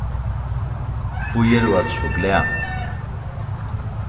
hví eru øll so glað